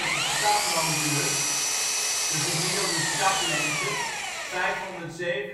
de stapmodulus (de gemiddelde staplengte) 570 - 630